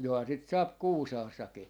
johan sitä saa Kuusaassakin